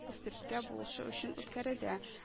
Үстерергә булышу өчен үткәрелә